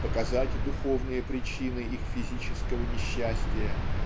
показать духовные причины их физического несчастья.